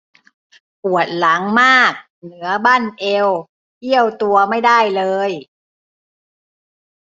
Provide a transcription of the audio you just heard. ปวดหลังมากเหนือบั้นเอวเอี้ยวตัวไม่ได้เลย